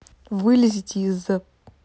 вылезите из за